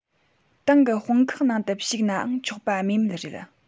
ཏང གི དཔུང ཁག ནང དུ ཞུགས ནའང ཆོག པ སྨོས མེད རེད